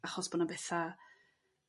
achos bo' 'na betha'